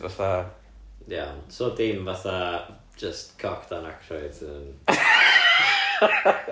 Fatha ...iawn so dim fatha jyst cock Dan Aykroyd yn...